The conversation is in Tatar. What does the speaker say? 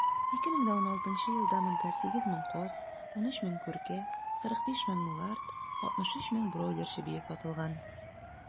2016 елда монда 8 мең каз, 13 мең күркә, 45 мең мулард, 63 мең бройлер чебие сатылган.